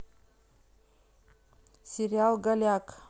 сериал голяк